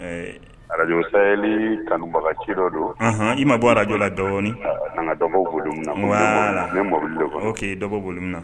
Araj sa tanbaga ci dɔ don i ma bɔ araj la dɔɔnin an ka dɔgɔbaw bolo ne dɔbɔ bolo minna na